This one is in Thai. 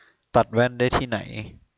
ตัดแว่นได้ที่ไหน